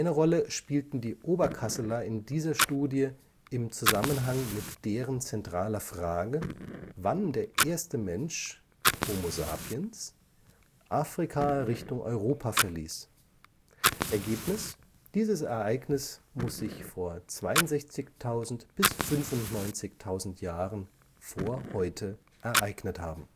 Rolle spielten die Oberkasseler in dieser Studie im Zusammenhang mit deren zentraler Frage, wann der erste Mensch (Homo sapiens) Afrika Richtung Europa verließ. Ergebnis: dieses Ereignis muss sich vor 62.000 bis 95.000 Jahren vor heute ereignet haben